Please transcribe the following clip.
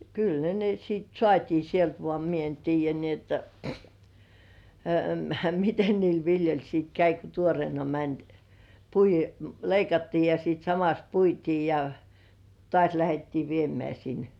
kyllä ne ne sitten saatiin sieltä vaan minä en tiedä niin jotta miten niille viljoille sitten kävi kun tuoreena meni - leikattiin ja sitten samassa puitiin ja taas lähdettiin viemään sinne